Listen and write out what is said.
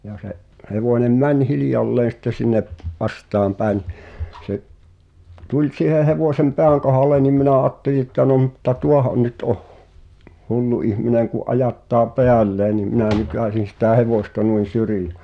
ja se hevonen meni hiljalleen sitten sinne vastaanpäin no se tuli siihen hevosen pään kohdalle niin minä ajattelin että no mutta tuohan nyt on hullu ihminen kun ajattaa päälleen niin minä nykäisin sitä hevosta niin - syrjään